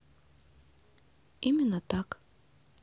именно так